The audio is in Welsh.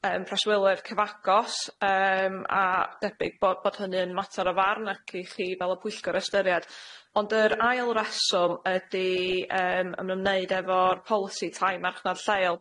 yym preswylwyr cyfagos, yym a debyg bo' bod hynny'n mater o farn ac i chi fel y pwyllgor ystyried. Ond yr ail reswm ydi yym yn ymwneud efo'r polisi tai marchnad lleol.